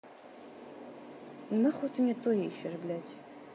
нахуй ты не то ищешь блять